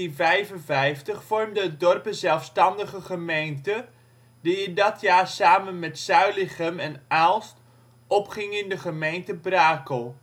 2010). Tot 1955 vormde het dorp een zelfstandige gemeente, die in dat jaar samen met Zuilichem en Aalst opging in de gemeente Brakel